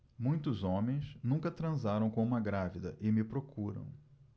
muitos homens nunca transaram com uma grávida e me procuram